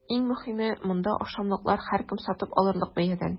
Иң мөһиме – монда ашамлыклар һәркем сатып алырлык бәядән!